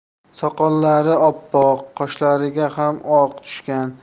soqollari oppoq qoshlariga ham oq